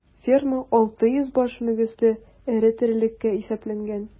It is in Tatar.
Ферма 600 баш мөгезле эре терлеккә исәпләнгән.